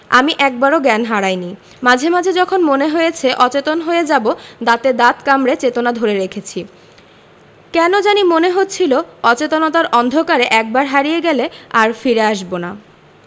আমি একবারও জ্ঞান হারাইনি মাঝে মাঝে যখন মনে হয়েছে অচেতন হয়ে যাবো দাঁতে দাঁত কামড়ে চেতনা ধরে রেখেছি কেন জানি মনে হচ্ছিলো অচেতনতার অন্ধকারে একবার হারিয়ে গেলে আর ফিরে আসবো না